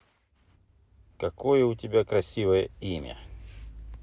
какое у тебя красивое имя